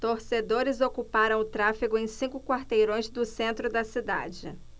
torcedores ocuparam o tráfego em cinco quarteirões do centro da cidade